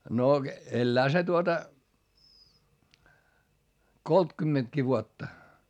no elää se tuota kolmekymmentäkin vuotta